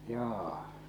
joo